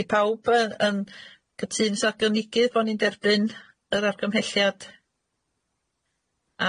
'Di pawb yy yn gytun, 's'a gynigydd bo' ni'n derbyn yr argymhelliad?